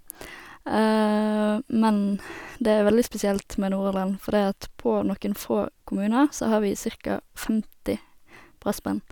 Men det er veldig spesielt med Nordhordland, fordi at på noen få kommuner så har vi cirka femti brassband.